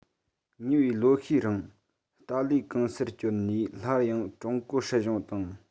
ཉེ བའི ལོ ཤས རིང ཏཱ ལའི གང སར བསྐྱོད ནས སླར ཡང ཀྲུང གོ སྲིད གཞུང དང